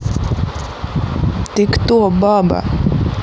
ты кто баба